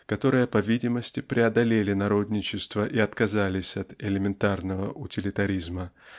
которые по видимости преодолели народничество и отказались от элементарного утилитаризма